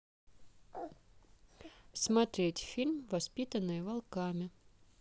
смотреть фильм воспитанные волками